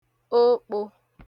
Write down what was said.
okpō